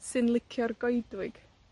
'sy'n licio'r goedwig